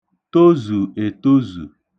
tozù ètozù